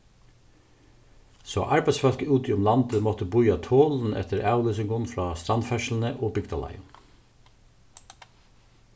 so arbeiðsfólk úti um landið máttu bíða tolin eftir avlýsingum frá strandferðsluni og bygdaleiðum